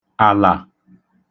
àlà